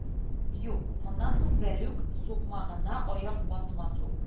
Юк, моннан соң Вәлүк сукмагына аяк басмас ул